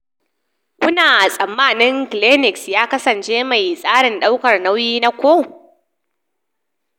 "Kuna tsammani Kleenex ya kasance mai tsarin daukar nauyi na ko.